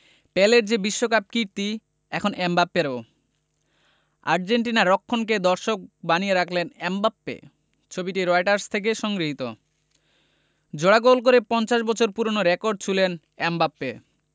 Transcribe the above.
পেলের যে বিশ্বকাপ কীর্তি এখন এমবাপ্পেরও আর্জেন্টিনার রক্ষণকে দর্শক বানিয়ে রাখলেন এমবাপ্পে ছবিটি রয়টার্স থেকে সংগৃহীত জোড়া গোল করে ৫০ বছর পুরোনো রেকর্ড ছুঁলেন এমবাপ্পে